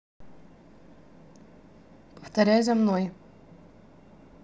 повторяй за мной